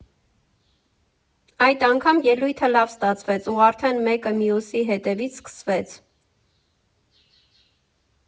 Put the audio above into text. Այդ անգամ ելույթը լավ ստացվեց ու արդեն մեկը մյուսի հետևից սկսվեց։